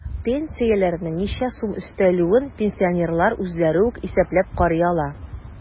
Пенсияләренә ничә сум өстәлүен пенсионерлар үзләре үк исәпләп карый ала.